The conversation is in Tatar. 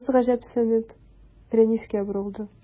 Кыз, гаҗәпсенеп, Рәнискә борылды.